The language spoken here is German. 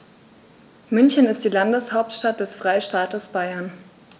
München ist die Landeshauptstadt des Freistaates Bayern.